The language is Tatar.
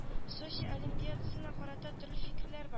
Сочи олимпиадасына карата төрле фикерләр бар